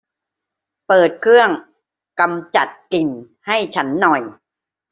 เปิดเครื่องกำจัดกลิ่นให้ฉันหน่อย